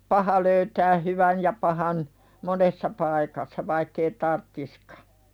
paha löytää hyvän ja pahan monessa paikassa vaikka ei tarvitsisikaan